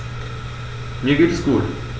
Mir geht es gut.